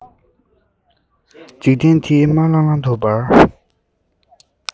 འཇིག རྟེན འདི དམར ལྷང ལྷང དུ འབར